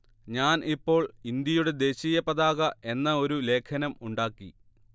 ഞാൻ ഇപ്പോൾ ഇന്ത്യയുടെ ദേശീയ പതാക എന്ന ഒരു ലേഖനം ഉണ്ടാക്കി